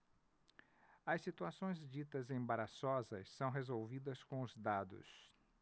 as situações ditas embaraçosas são resolvidas com os dados